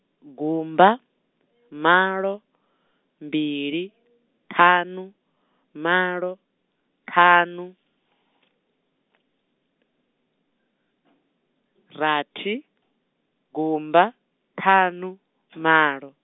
gumba, malo, mbili, ṱhanu, malo, ṱhanu , rathi, gumba, ṱhanu, malo.